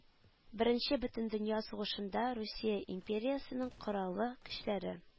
Беренче бөтендөнья сугышында Русия империясының Кораллы көчләре